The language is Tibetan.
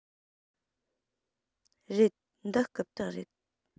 རེད འདི རྐུབ སྟེགས རེད